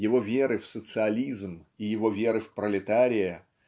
его веры в социализм и его веры в пролетария